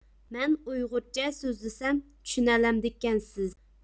مەن ئۇيغۇرچە سۆزلىسەم چۈشىنەلەمدىكەنسىز